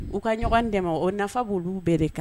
U ka ɲɔgɔn dɛmɛ, o nafa b'olu bɛɛ de kan